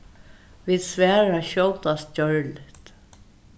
vit svara skjótast gjørligt